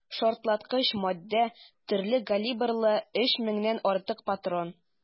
Шартлаткыч матдә, төрле калибрлы 3 меңнән артык патрон.